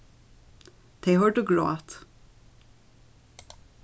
tey hoyrdu grát